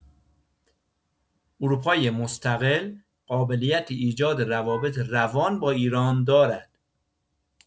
اروپای مستقل قابلیت ایجاد روابط روان با ایران را دارد.